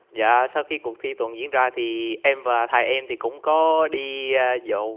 dạ sau khi cuộc thi tuần diễn ra thì em và thầy em thì cũng có đi a dụ